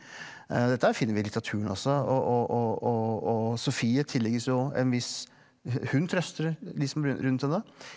dette her finner vi i litteraturen også og og og og og Sofie tillegges jo en viss hun trøster de som er rundt henne.